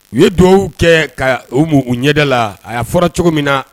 U ye dugawbabu kɛ ka u u ɲɛda la a y'a fɔra cogo min na